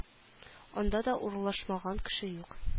Анда да урлашмаган кеше юк